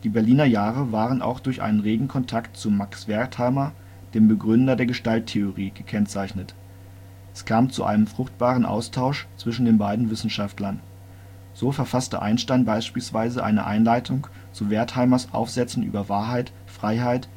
Berliner Jahre waren auch durch einen regen Kontakt zu Max Wertheimer, dem Begründer der Gestalttheorie, gekennzeichnet. Es kam zu einem fruchtbaren Austausch zwischen den beiden Wissenschaftlern. So verfasste Einstein beispielsweise eine Einleitung zu Wertheimers Aufsätzen über Wahrheit, Freiheit